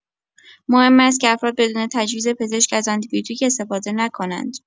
مهم است که افراد بدون تجویز پزشک از آنتی‌بیوتیک استفاده نکنند.